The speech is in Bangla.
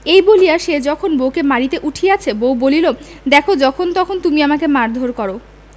এই বলিয়া সে যখন বউকে মারিতে উঠিয়াছে বউ বলিল দেখ যখনতখন তুমি আমাকে মারধর কর